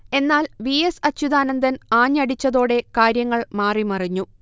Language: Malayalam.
എന്നാൽ വി. എസ്. അച്യൂതാനന്ദൻ ആഞ്ഞടിച്ചതോടെ കാര്യങ്ങൾ മാറി മറിഞ്ഞു